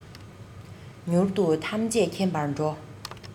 མྱུར དུ ཐམས ཅད མཁྱེན པར འགྲོ